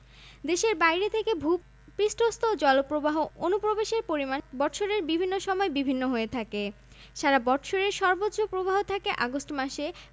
দেশের বাইরে থেকে ভূ পৃষ্ঠস্থ জলপ্রবাহ অনুপ্রবেশের পরিমাণ বৎসরের বিভিন্ন সময়ে বিভিন্ন হয়ে থাকে সারা বৎসরের সর্বোচ্চ প্রবাহ থাকে আগস্ট মাসে